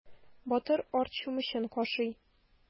Батыр арт чүмечен кашый.